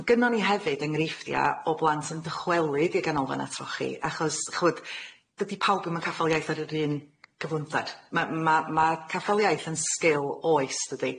Ma' gynnon ni hefyd enghreifftia o blant yn dychwelyd i Ganolfanna Trochi achos ch'bod dydi pawb ddim yn caffael iaith ar yr un cyflymder ma' ma' ma' caffael iaith yn sgil oes dydi?